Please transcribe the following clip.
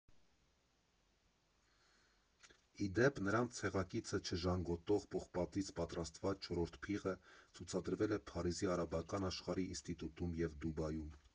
Ի դեպ, նրանց ցեղակիցը՝ չժանգոտող պողպատից պատրաստված չորրորդ փիղը, ցուցադրվել է Փարիզի Արաբական աշխարհի ինստիտուտում և Դուբայում։